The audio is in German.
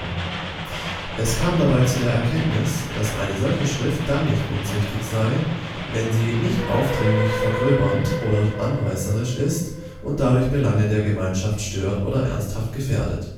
kam dabei zu der Erkenntnis, dass eine solche Schrift dann nicht unzüchtig sei, „ wenn sie nicht aufdringlich vergröbernd oder anreißerisch ist und dadurch Belange der Gemeinschaft stört oder ernsthaft gefährdet